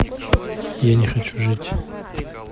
я не хочу жить